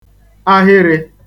ahịrị̄